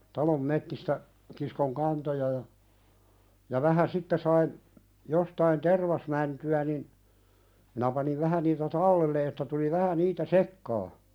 talon metsistä kiskoin kantoja ja ja vähän sitten sain jostakin tervasmäntyjä niin minä panin vähän niitä talteen että tuli vähän niitä sekaan